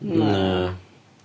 Na.